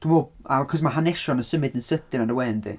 Dwi'n meddwl... A achos mae hanesion yn y symud yn sydyn ar y we yndi?